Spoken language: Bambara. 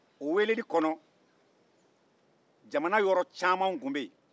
o weleli kɔnɔ jamana yɔrɔ caman tun bɛ yen